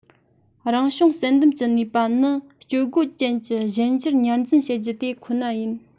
རང བྱུང བསལ འདེམས ཀྱི ནུས པ ནི སྤྱོད སྒོ ཅན གྱི གཞན འགྱུར ཉར འཛིན བྱེད རྒྱུ དེ ཁོ ན ཡིན